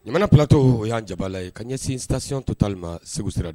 Ɲamana plateau o y'an jabala ye, ka ɲɛsin station TOTAL ma, segu sira la